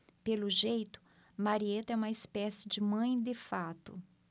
pelo jeito marieta é uma espécie de mãe de fato